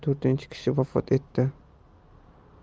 to'rtinchi kishi vafot etdi